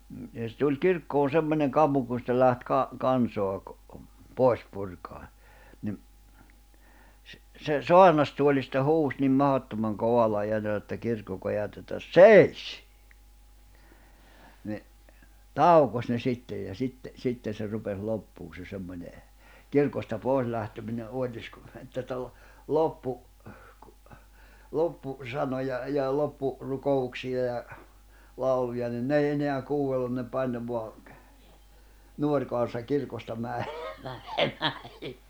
mm ja se tuli kirkkoon semmoinen kammo kun sitten lähti - kansaa pois purkamaan niin se saarnastuolista huusi niin mahdottoman kovalla äänellä että kirkko kajahti että seis niin taukosi ne sitten ja sitten sitten se rupesi loppumaan se semmoinen kirkosta pois lähteminen oitis kun että --- loppusanoja ja - loppurukouksia ja lauluja niin ne ei enää kuunnellut ne painoi vain nuori kansa kirkosta - menemään